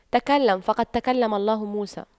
تكلم فقد كلم الله موسى